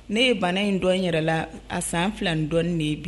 Ne ye bana in dɔn n yɛrɛ la a san 2 ni dɔɔni de ye bi